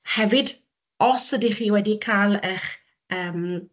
Hefyd, os ydych chi wedi cael eich, yym...